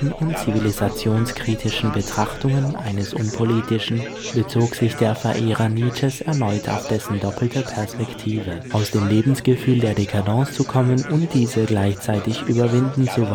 und zivilisationskritischen Betrachtungen eines Unpolitischen bezog sich der Verehrer Nietzsches erneut auf dessen doppelte Perspektive: Aus dem Lebensgefühl der décadence zu kommen und diese gleichzeitig überwinden zu